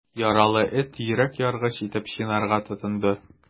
Яралы эт йөрәк яргыч итеп чинарга тотынды.